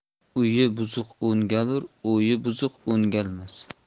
uyi buzuq o'ngalur o'yi buzuq o'ngalmas